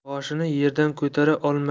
boshini yerdan ko'tara olmadi